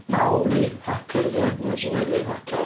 Māori Hakas, ia? Nhw sy'n wneud yr Haka.